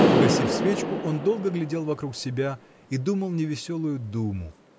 Погасив свечку, он долго глядел вокруг себя и думал невеселую думу